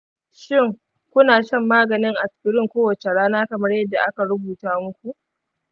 shin, kuna shan maganin aspirin kowace rana kamar yadda aka rubuta muku?